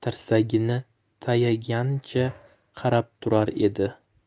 tirsagini tayaganicha qarab turar edi